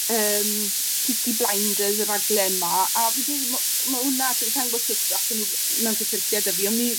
yym Peaky Blinders, y raglen 'ma. A fi'n credu mo- ma' wnna t'bod sain gwbod shwt dathen nw mewn cysylltiad 'da fi on' mi